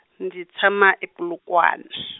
ndzi tshama e- Polokwane.